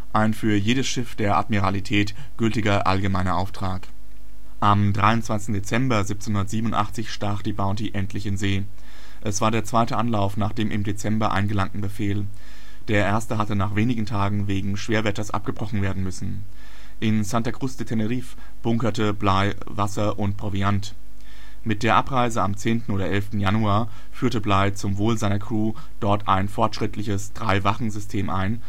ein für jedes Schiff der Admiralität gültiger allgemeiner Auftrag. Am 23. Dezember 1787 stach die Bounty endlich in See. Es war der zweite Anlauf nach dem im Dezember eingelangten Befehl – der erste hatte nach wenigen Tagen wegen Schwerwetters abgebrochen werden müssen. In Santa Cruz de Tenerife bunkerte Bligh Wasser und Proviant. Mit der Abreise am 10. oder 11. Januar führte Bligh zum Wohl seiner Crew dort ein fortschrittliches Drei-Wachen-System ein